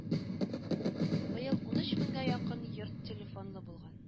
Быел ун өч меңгә якын йорт телефонлы булган